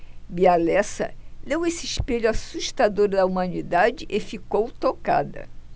bia lessa leu esse espelho assustador da humanidade e ficou tocada